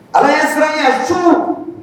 Ala ɲɛ siranya cu